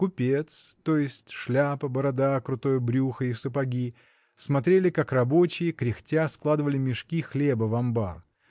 Купец, то есть шляпа, борода, крутое брюхо и сапоги, смотрели, как рабочие, кряхтя, складывали мешки хлеба в амбар